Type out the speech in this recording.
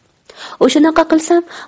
o'shanaqa qilsam